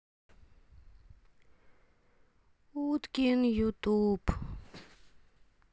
уткин ютуб